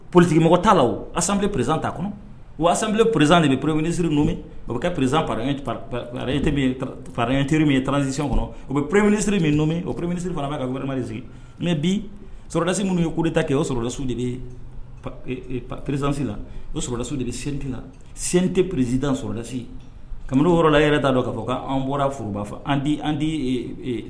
Politigimɔgɔ t'a la asan pererizan ta kɔnɔ wasan perez de bɛ pere minisiriri nmi o bɛ kɛ perez pare terir min ye taranzsi kɔnɔ o bɛ pere minisiriri min o pere minisiriri fana bɛ kama sigi mɛ bi sudasi ninnu ye ko ta kɛ o sɔrɔdasiw de bɛ pererezsi la odasi de bɛ sentila sen tɛ pereresid sɔrɔdasi ka yɔrɔla yɛrɛ t'a dɔ k' fɔ ko'an bɔra f'a fɔ andi